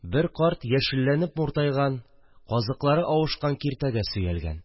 Бер карт яшелләнеп муртайган, казыклары авышкан киртәгә сөялгән